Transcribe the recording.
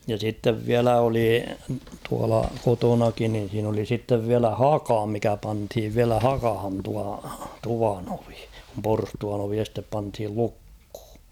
ja sitten vielä oli tuolla kotonakin niin siinä oli sitten vielä haka mikä pantiin vielä hakaan tuo tuvan ovi kun porstuan ovi este pantiin lukkoon